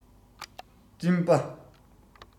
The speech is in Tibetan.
སྤྲིན པ